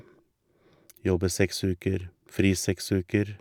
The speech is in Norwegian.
Jobbe seks uker, fri seks uker.